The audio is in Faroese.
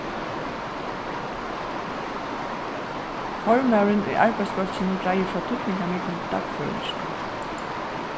formaðurin í arbeiðsbólkinum greiðir frá týdningarmiklu dagføringini